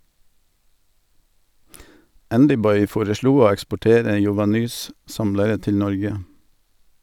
Andyboy foreslo å eksportere Yovanys samlere til Norge.